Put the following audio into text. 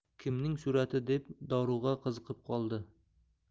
kimning surati deb dorug'a qiziqib qoldi